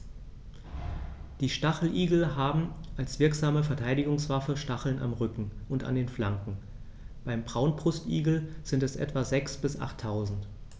Die Stacheligel haben als wirksame Verteidigungswaffe Stacheln am Rücken und an den Flanken (beim Braunbrustigel sind es etwa sechs- bis achttausend).